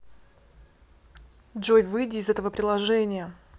джой выйди из этого приложения